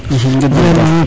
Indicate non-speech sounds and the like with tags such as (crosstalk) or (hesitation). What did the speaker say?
(hesitation) ngid mana paax